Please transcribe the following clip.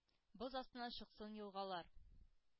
Боз астыннан чыксын елгалар,